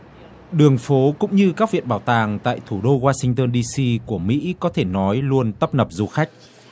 đường phố cũng như các viện bảo tàng tại thủ đô ngoa sinh tơn đi si của mỹ có thể nói luôn tấp nập du khách